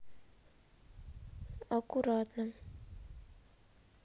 аккуратно